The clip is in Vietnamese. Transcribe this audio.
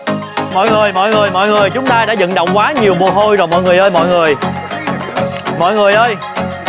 mọi người mọi người mọi người chúng ta đã vận động quá nhiều mồ hôi rồi mọi người ơi mọi người mọi người ơi